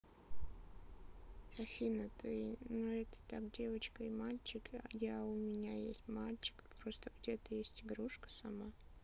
афина ты но это так девочка и мальчик я у меня есть мальчик просто где то есть игрушка сама